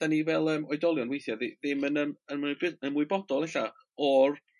'dan ni fel yym oedolion weithia' ddi- ddim yn yym ymwybydd- ymwybodol ella o'r